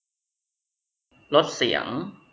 ลดเสียง